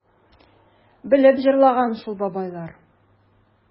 Белеп җырлаган шул бабайлар...